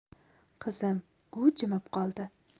qizim u jimib qoldi